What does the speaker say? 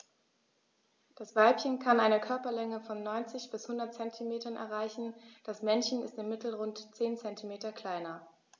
Das Weibchen kann eine Körperlänge von 90-100 cm erreichen; das Männchen ist im Mittel rund 10 cm kleiner.